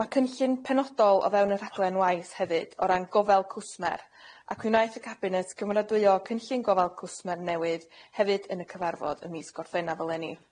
Ma' cynllun penodol o fewn y rhaglen waith hefyd o ran gofal cwsmer ac mi wnaeth y Cabinet cymeradwyo cynllun gofal cwsmer newydd hefyd yn y cyfarfod ym mis Gorffennaf eleni.